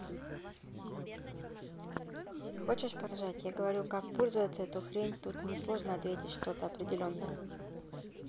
хочешь поржать я говорю как пользоваться эту хрень тут не сложно ответить что то определенное